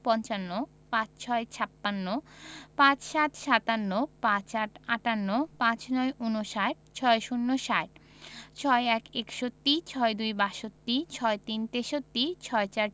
পঞ্চান্ন ৫৬ – ছাপ্পান্ন ৫৭ – সাতান্ন ৫৮ – আটান্ন ৫৯ - ঊনষাট ৬০ - ষাট ৬১ – একষট্টি ৬২ – বাষট্টি ৬৩ – তেষট্টি ৬৪